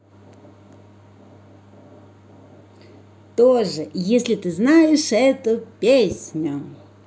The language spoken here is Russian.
тоже если знаешь эту песню